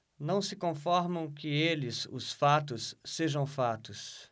não se conformam que eles os fatos sejam fatos